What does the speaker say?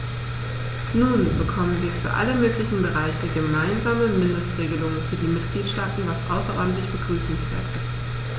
Nun bekommen wir für alle möglichen Bereiche gemeinsame Mindestregelungen für die Mitgliedstaaten, was außerordentlich begrüßenswert ist.